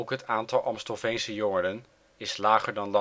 het aantal Amstelveense jongeren is lager dan